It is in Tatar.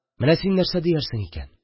Менә син нәрсә диярсең икән?